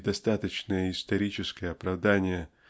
и достаточное историческое оправдание